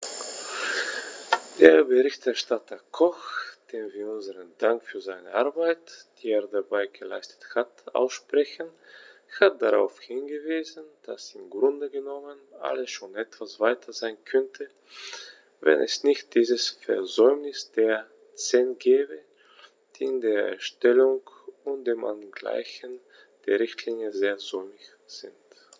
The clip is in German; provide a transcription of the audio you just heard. Der Berichterstatter Koch, dem wir unseren Dank für seine Arbeit, die er dabei geleistet hat, aussprechen, hat darauf hingewiesen, dass im Grunde genommen alles schon etwas weiter sein könnte, wenn es nicht dieses Versäumnis der CEN gäbe, die in der Erstellung und dem Angleichen der Richtlinie sehr säumig sind.